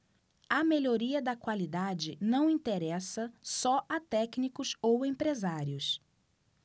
a melhoria da qualidade não interessa só a técnicos ou empresários